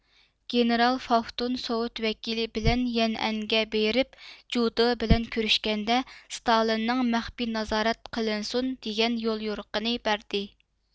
گېنېرال فافتون سوۋېت ۋەكىلى بىلەن يەنئەنگە بېرىپ جۇدې بىلەن كۆرۈشكەندە ستالىننىڭ مەخپىي نازارەت قىلىنسۇن دېگەن يوليورۇقىنى بەردى